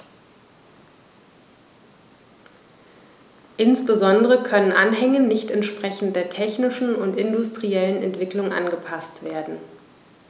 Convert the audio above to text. Insbesondere können Anhänge nicht entsprechend der technischen und industriellen Entwicklung angepaßt werden.